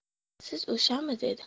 siz o'shami dedi